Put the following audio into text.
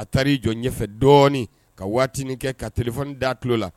A taarari jɔ ɲɛfɛ dɔɔnin ka waati kɛ ka terikɛ da tulo la